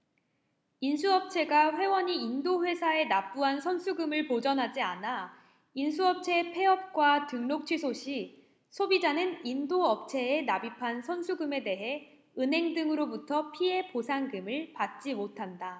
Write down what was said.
인수업체가 회원이 인도회사에 납부한 선수금을 보전하지 않아 인수업체의 폐업과 등록취소 시 소비자는 인도업체에 납입한 선수금에 대해 은행 등으로부터 피해보상금을 받지 못한다